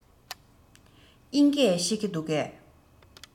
དབྱིན སྐད ཤེས ཀྱི འདུག གས